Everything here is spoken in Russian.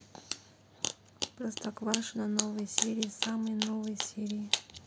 простоквашино новые серии самые новые серии